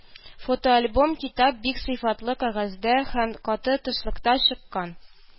Фотоальбом-китап бик сыйфатлы кәгазьдә һәм каты тышлыкта чыккан